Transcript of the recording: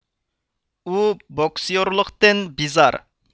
ئۇ بوكسىيۇرلۇقىتن بىزار